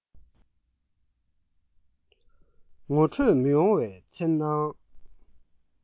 ངོ འཕྲོད མི ཡོང བའི འཚེར སྣང